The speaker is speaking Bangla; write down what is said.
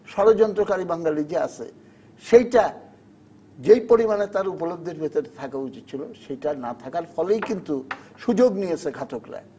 ষড়যন্ত্রকারী বাঙালি যে আছে সেইটা যে পরিমাণে তার উপলব্ধির ভেতরে থাকা উচিত ছিল সেটা না থাকার ফলেই কিন্তু সুযোগ নিয়েছে ঘাতকরা